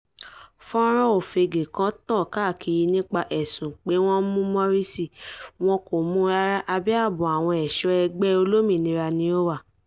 @Egyptocracy: Fọ́nràn òfegè kan ń tàn káàkiri nípa ẹ̀sùn pé wọ́n "#mú Morsi", wọn kò mú u rárá, abẹ́ ààbò àwọn ẹ̀ṣọ́ ẹgbẹ́ olómìnira ni ó wà.